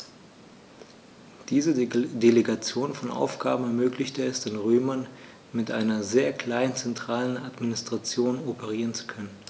Diese Delegation von Aufgaben ermöglichte es den Römern, mit einer sehr kleinen zentralen Administration operieren zu können.